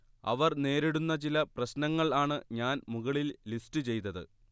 അവർ നേരിടുന്ന ചില പ്രശ്നങ്ങൾ ആണ് ഞാൻ മുകളിൽ ലിസ്റ്റ് ചെയ്തത്